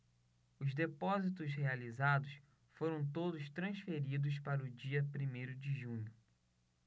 os depósitos realizados foram todos transferidos para o dia primeiro de junho